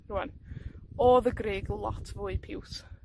Rŵan, odd y grug lot fwy piws.